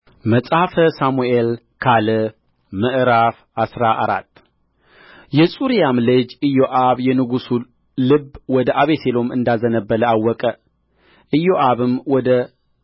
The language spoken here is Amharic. መጽሐፈ ሳሙኤል ካል ምዕራፍ አስራ አራት የጽሩያም ልጅ ኢዮአብ የንጉሡ ልብ ወደ አቤሴሎም እንዳዘነበለ አወቀ ኢዮአብም ወደ